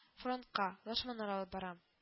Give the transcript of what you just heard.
-фронтка. лашманнар алып барам